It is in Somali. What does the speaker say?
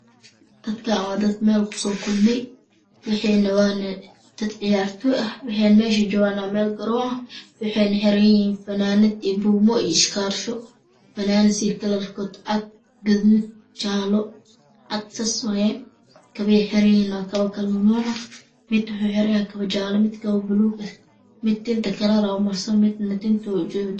Dadkaani waa dad meel ku Soo ku Soo kulmi waxay waana dad ciyaartay ah waxay meesha joogaan waa meel garroon ah waxayna xeran yihiin finaanad iyo buumo iyo iskaarso finaanadi karartoid cad, gaduud, jaallo, cad, saas waaye tawaha ay xeran yihiin waa mid kala nooc-nooc ah. Mid wuxuu xeran yahay tabo jaallo mid tabo baluug, mid tinta kararaa u marsan midna wax u jaran tahay